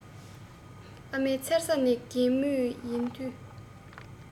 ཨ མའི མཚེར ས ནས རྒས མུས ཡིན དུས